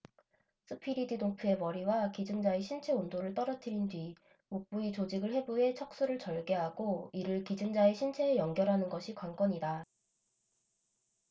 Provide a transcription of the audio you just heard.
스피리도노프의 머리와 기증자의 신체 온도를 떨어뜨린뒤 목 부위 조직을 해부해 척수를 절개하고 이를 기증자의 신체에 연결하는 것이 관건이다